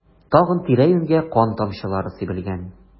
Тагын тирә-юньгә кан тамчылары сибелгән.